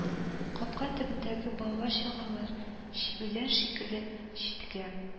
Капка төбендәге бала-чагалар, чебиләр шикелле, читкә